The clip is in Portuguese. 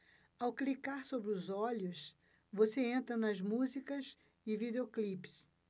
ao clicar sobre os olhos você entra nas músicas e videoclipes